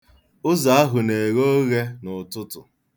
Ụzọ ahụ na-eghe oghe n'ụtụtụ.